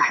ah